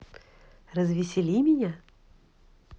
развесели меня